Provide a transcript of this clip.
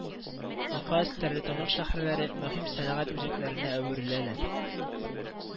Уфа, Стәрлетамак шәһәрләре мөһим сәнәгать үзәкләренә әвереләләр